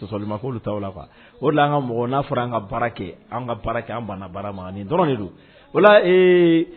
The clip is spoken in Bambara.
Ka mɔgɔ'a fɔra an ka kɛ an kɛ an banna baara ma ni dɔrɔn don